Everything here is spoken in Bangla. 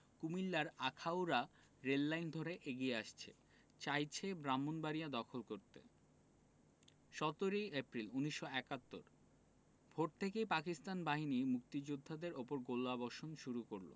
কুমিল্লার আখাউড়া রেললাইন ধরে এগিয়ে আসছে চাইছে ব্রাহ্মনবাড়িয়া দখল করতে ১৭ এপ্রিল ১৯৭১ ভোর থেকেই পাকিস্তানি বাহিনী মুক্তিযোদ্ধাদের উপর গোলাবর্ষণ শুরু করল